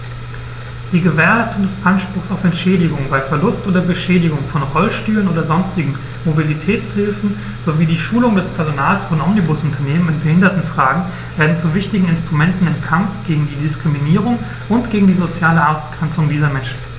Die Gewährleistung des Anspruchs auf Entschädigung bei Verlust oder Beschädigung von Rollstühlen oder sonstigen Mobilitätshilfen sowie die Schulung des Personals von Omnibusunternehmen in Behindertenfragen werden zu wichtigen Instrumenten im Kampf gegen Diskriminierung und gegen die soziale Ausgrenzung dieser Menschen.